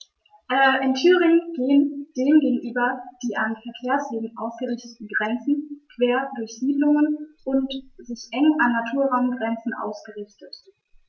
In Thüringen gehen dem gegenüber die an Verkehrswegen ausgerichteten Grenzen quer durch Siedlungen und sind eng an Naturraumgrenzen ausgerichtet.